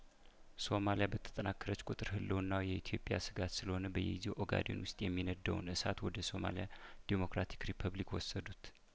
ሶማሊያ በተጠናከረች ቁጥር ህልውናዋ የኢትዮጵያ ስጋት ስለሆነ በየጊዜው ኦጋዴን ውስጥ የሚነደውን እሳት ወደ ሶማሊያ ዴሞክራቲክ ሪፑብሊክ ወሰዱት